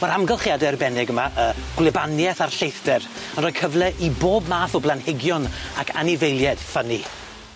Ma'r amgylchiade arbennig yma, y gwlybaniaeth a'r lleithder yn rhoi cyfle i bob math o blanhigion ac anifeilied ffynni.